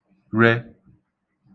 re